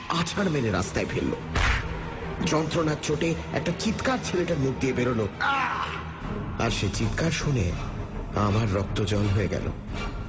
আছাড় মেরে রাস্তায় ফেলল যন্ত্রণার চোটে একটা চিৎকার ছেলেটার মুখ দিয়ে বেরোল আর সে চিৎকার শুনে আমার রক্ত জল হয়ে গেল